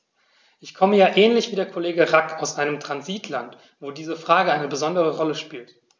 Ich komme ja ähnlich wie der Kollege Rack aus einem Transitland, wo diese Frage eine besondere Rolle spielt.